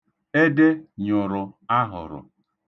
Ede nyụrụ ahụrụ.